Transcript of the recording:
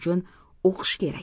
uchun o'qish kerak